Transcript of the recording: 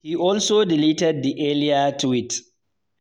He also deleted the earlier tweet.